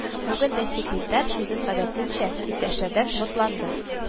Бүген дә секретарь сүзен гадәтенчә «Иптәшләр»дән бантлады: